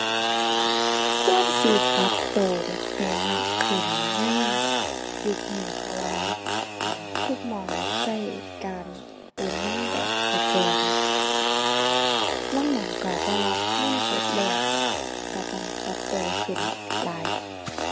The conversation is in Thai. ควรสิปรับตัวให้มากขึ้นในยุคนี้เพราะว่า ทุกหม้องตัวการโอนเงินแบบสแกน ลางหม้องตัวบ่รับเงินสดแล้ว ตัวต้องปรับตัวขึ้นหลาย